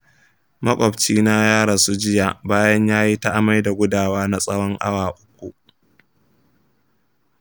makwabcina ya rasu jiya bayan yayi ta amai da gudawa na tsawon awa uku.